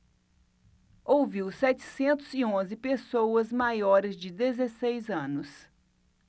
ouviu setecentos e onze pessoas maiores de dezesseis anos